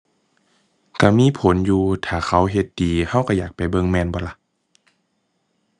ก็มีผลอยู่ ถ้าเขาเฮ็ดดีก็ก็อยากไปเบิ่งแม่นบ่ล่ะ